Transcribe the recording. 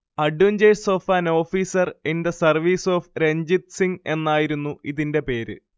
adventures of an officer in the service of Ranjit Singh എന്നായിരുന്നു ഇതിന്റെ പേര്